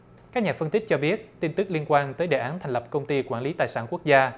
các nhà phân tích cho biết tin tức liên quan tới đề án thành lập công ty quản lý tài sản quốc gia